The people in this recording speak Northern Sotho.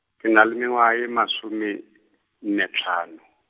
ke na le mengwaga e masome, nne hlano.